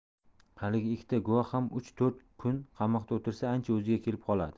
haligi ikkita guvoh ham uch to'rt kun qamoqda o'tirsa ancha o'ziga kelib qoladi